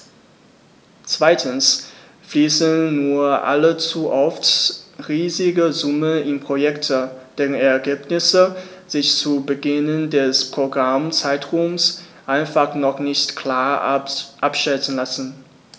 Zweitens fließen nur allzu oft riesige Summen in Projekte, deren Ergebnisse sich zu Beginn des Programmzeitraums einfach noch nicht klar abschätzen lassen.